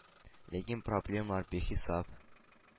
Ләкин проблемалар бихисап.